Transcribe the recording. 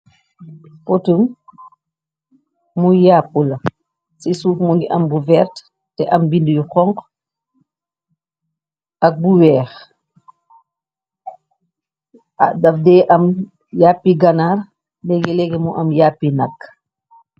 Potum muy yapp la ci suuf mu ngi am bu vert te am bindi yu xonxu ak bu wèèx daf dée am yàppi ganaar legélegé mu am yàppi nak.